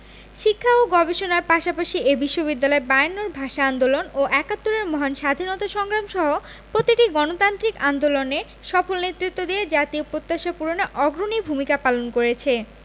শিক্ষা ও গবেষণার পাশাপাশি এ বিশ্ববিদ্যালয় বায়ান্নর ভাষা আন্দোলন ও একাত্তরের মহান স্বাধীনতা সংগ্রাম সহ প্রতিটি গণতান্ত্রিক আন্দোলনে সফল নেতৃত্ব দিয়ে জাতীয় প্রত্যাশা পূরণে অগ্রণী ভূমিকা পালন করেছে